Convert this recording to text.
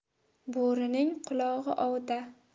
bo'rining qulog'i ovda